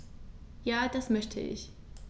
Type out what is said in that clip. Ja, das möchte ich.